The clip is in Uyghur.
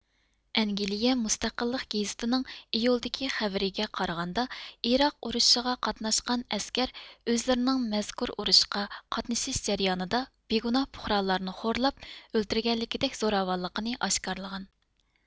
ئەنگىليە مۇستەقىللق گېزىتى نىڭ ئىيۇلدىكى خەۋىرىگە قارىغاندا ئېراق ئۇرۇشىغا قاتناشقان ئەسكەر ئۆزلىرىنىڭ مەزكۇر ئۇرۇشقا قاتنىشىش جەريانىدا بىگۇناھ پۇقرالارنى خورلاپ ئۆلتۈرگەنلىكىدەك زوراۋانلىقىنى ئاشكارىلغان